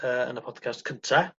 yy yn y podcast cynta.